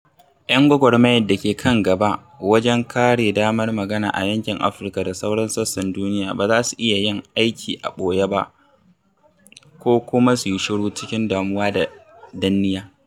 Yan gwagwarmayar da ke kan gaba wajen kare damar magana a yankin Afirka da sauran sassan duniya ba za su iya yin aikin a ɓoye ba ko kuma su yi shiru cikin damuwa da danniya.